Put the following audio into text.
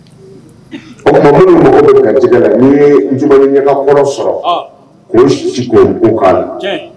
Mɔgɔ bɛtigɛ la n ye j ɲaga kɔrɔ sɔrɔ k' si ko